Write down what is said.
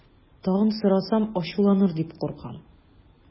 Тагын сорасам, ачуланыр дип куркам.